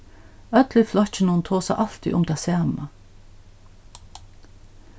øll í flokkinum tosa altíð um tað sama